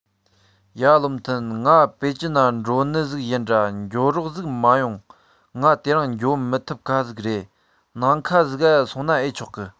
ཡ བློ མཐུན ང པེ ཅིན ན འགྲོ ནི ཟིག ཡིན དྲ འགྱོ རོགས ཟིག མ ཡོང ང དེ རིང འགྱོ མི ཐུབ ཁ ཟིག རེད ནིང ཁ ཟིག ག སོང ན ཨེ ཆོག གི